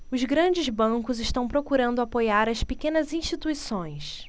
os grandes bancos estão procurando apoiar as pequenas instituições